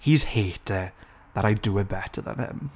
He's hating, that I do it better than him.